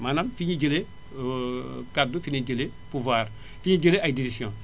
maanaam fi ñuy jëlee kàddu fi ñuy jëlee pouvoir fi ñuy jëlee ay décisions